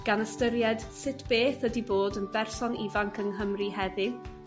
Gan ystyried sut beth ydi bod yn berson ifanc yng Nghymru heddiw